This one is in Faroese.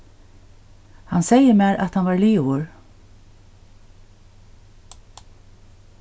hann segði mær at hann var liðugur